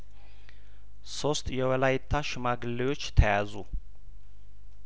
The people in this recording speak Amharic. ሶስት የወላይታ ሽማግሌዎች ተያዙ